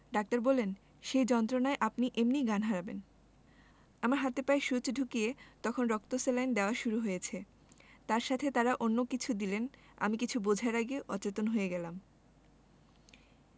doctor বললেন সেই যন্ত্রণায় আপনি এমনি জ্ঞান হারাবেন আমার হাতে পায়ে সুচ ঢুকিয়ে তখন রক্ত স্যালাইন দেওয়া শুরু হয়েছে তার সাথে তারা অন্য কিছু দিলেন আমি কিছু বোঝার আগে অচেতন হয়ে গেলাম